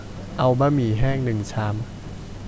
เอาบะหมี่แห้งหนึ่งชาม